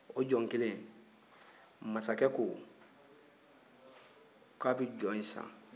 o jɔn kelen masakɛ ko ko a bɛ jɔn in san